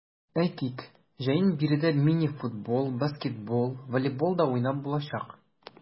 Әйтик, җәен биредә мини-футбол, баскетбол, волейбол да уйнап булачак.